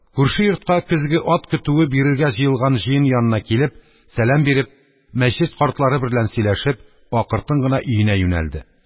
Күрше йортка көзге ат көтүе бирергә җыелган җыен янына килеп, сәлам биреп, мәсҗед картлары берлән сөйләшеп, акыртын гына өенә юнәлде.